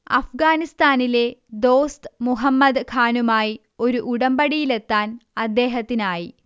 അഫ്ഗാനിസ്താനിലെ ദോസ്ത് മുഹമ്മദ് ഖാനുമായി ഒരു ഉടമ്പടിയിലെത്താൻ അദ്ദേഹത്തിനായി